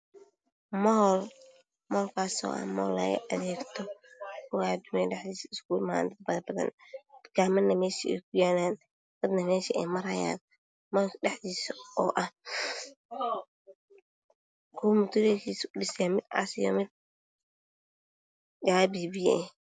Waa mool laga adeegto oo ay iskugu imaadeen dad badan, waxaa kuyaalo tukaaman dadna ay maraayaan moolka dhexdiisa waa mutuleel cadeys ah.